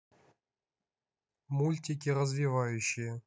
мультики развивающие